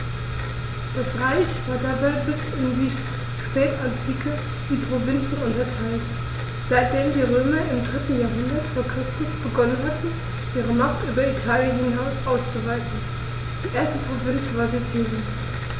Das Reich war dabei bis in die Spätantike in Provinzen unterteilt, seitdem die Römer im 3. Jahrhundert vor Christus begonnen hatten, ihre Macht über Italien hinaus auszuweiten (die erste Provinz war Sizilien).